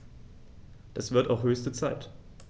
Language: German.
Das wird auch höchste Zeit!